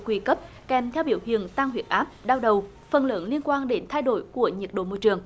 nguy cấp kèm theo biểu hiện tăng huyết áp đau đầu phần lớn liên quan đến thay đổi của nhiệt độ môi trường